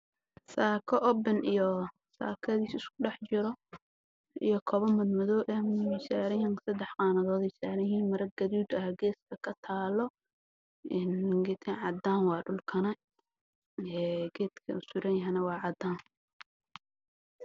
Saako open ah iyo saako isku dhaxjiro iyo kabo ayaa ka muuqdo meeshaan